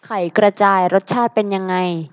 ไข่กระจายรสชาติเป็นยังไง